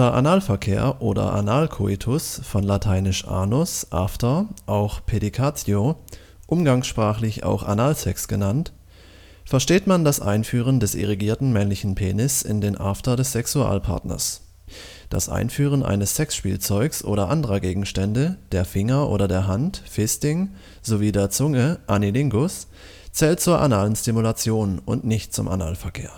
Analverkehr oder Analkoitus (von lat. anus After; auch: Pedicatio) – umgangssprachlich auch Analsex genannt – versteht man das Einführen des erigierten männlichen Penis in den After des Sexualpartners. Das Einführen eines Sexspielzeugs oder anderer Gegenstände, der Finger oder der Hand (Fisting) sowie der Zunge (Anilingus) zählt zur analen Stimulation und nicht zum Analverkehr